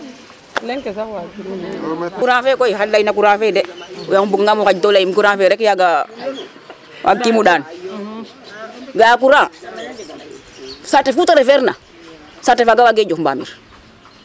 Courant fe koy xam lay na courant fe de yaam o mbugangaam o xaƴ to layiim no courant fe rek yaaga waagkiim o ɗaan .Ga'aa courant saate fu ta refeerna saate faaga waagee jof mbamir.